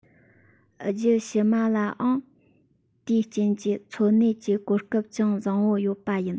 རྒྱུད ཕྱི མ ལའང དེའི རྐྱེན གྱིས འཚོ གནས ཀྱི གོ སྐབས ཅུང བཟང པོ ཡོད པ ཡིན